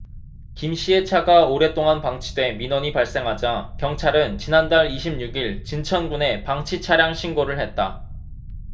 김씨의 차가 오랫동안 방치돼 민원이 발생하자 경찰은 지난달 이십 육 일 진천군에 방치 차량 신고를 했다